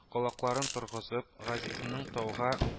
Колакларын торгызып, газизенең тауга